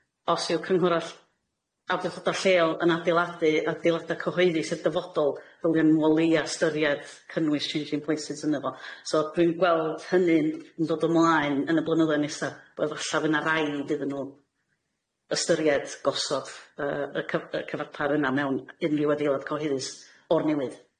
Os yw cynghora ll- awdurdoda' lleol yn adeiladu adeilada' cyhoeddus i'r dyfodol, ddylia nw o leia' ystyried cynnwys changing places yn y fo. So dwi'n gweld hynny'n yn dod ymlaen yn y blynyddoedd nesa. Bo' efallai fy' 'na raid iddyn nw ystyried gosod yy y cyf- y cyfarpar yna mewn unrhyw adeilad cyhoeddus, o'r newydd.